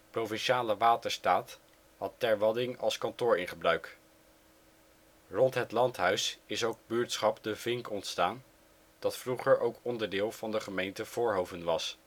Provinciale Waterstaat had Ter Wadding als kantoor in gebruik. Rond het landhuis is ook buurtschap De Vink ontstaan, dat vroeger ook onderdeel van de gemeente Voorhoven was